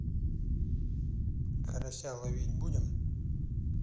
карася ловить будем